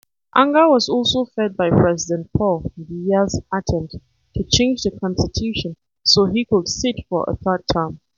Anger was also fed by President Paul Biya's attempt to change the constitution so he could sit for a third term.